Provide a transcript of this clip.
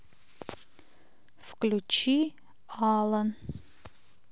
включи ален